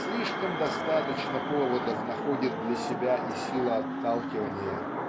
Слишком достаточно поводов находит для себя и сила отталкивания